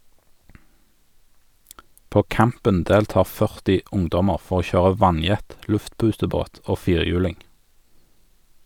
På campen deltar 40 ungdommer for å kjøre vannjet, luftputebåt og firehjuling.